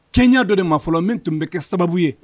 Tiɲɛya dɔ de ma fɔlɔ min tun bɛ kɛ sababu ye